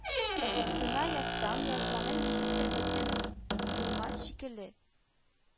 Гына язсам, язганым ничектер бөтен үк булмас шикелле